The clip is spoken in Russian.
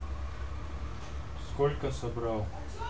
сколько собрал